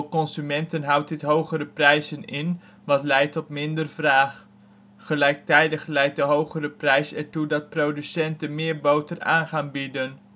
consumenten houdt dit hogere prijzen in, wat leidt tot minder vraag. Gelijktijdig leidt de hogere prijs er ook toe dat producenten meer boter aan gaan bieden